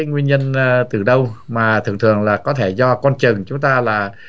nguyên nhân á từ đâu mà thường thường là có thể do con trừng chúng ta là